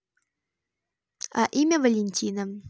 а имя валентина